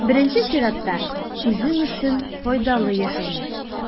Беренче чиратта, үзең өчен файдалы яшәүне.